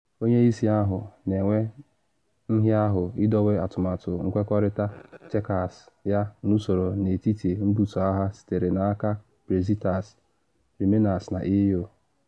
Onye isi ahụ na enwe nhịahụ idowe atụmatụ nkwekọrịta Chequers ya n’usoro n’etiti mbuso agha sitere n’aka Brexiteers, Remainers na EU.